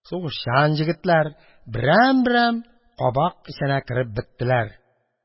Сугышчан егетләр берәм-берәм кабак эченә кереп беттеләр.